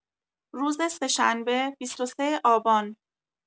روز سه‌شنبه ۲۳ آبان